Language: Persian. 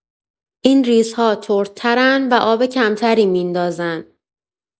این ریزها تردترن و آب کم‌تری می‌ندازن.